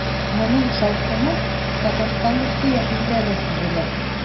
Моның шаукымы Татарстан мөфтиятендә дә сизелә.